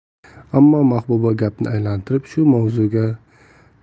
ammo mahbuba gapni aylantirib shu mavzuga